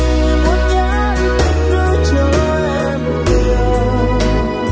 muốn nhắn tin gửi cho em nhiều